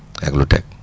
ak lu teg